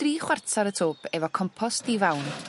dri chwarter y twb efo compost di fawn